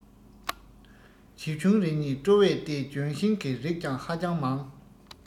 བྱེའུ ཆུང རེ གཉིས སྤྲོ བས བརྟས ལྗོན ཤིང གི རིགས ཀྱང ཧ ཅང མང